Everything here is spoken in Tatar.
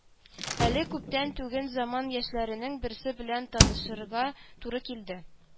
Әле күптән түгел заман яшьләренең берсе белән танышырга туры килде